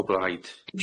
O blaid.